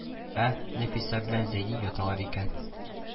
Ә, Нәфисә белән Зәйни яталар икән